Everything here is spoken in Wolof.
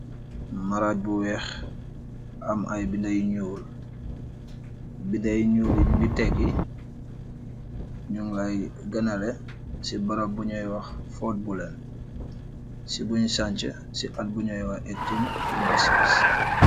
Maraaj bu weex am ay bida ñyuul bi da ñyuuli ñu ngi tekki ñung laay gënale ci barab buñoy wax fort bulen ci buñu sance ci at buñooy wax 18 26.